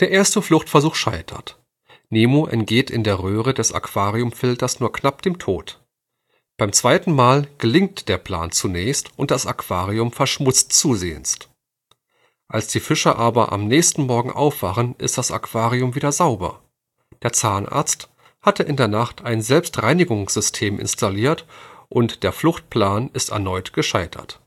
erste Fluchtversuch scheitert, Nemo entgeht in der Röhre des Aquariumfilters nur knapp dem Tod. Beim zweiten Mal gelingt der Plan zunächst und das Aquarium verschmutzt zusehends. Als die Fische aber am nächsten Morgen aufwachen, ist das Aquarium wieder sauber. Der Zahnarzt hatte in der Nacht ein Selbstreinigungssystem installiert und der Fluchtplan ist erneut gescheitert